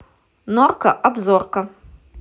норка обзорка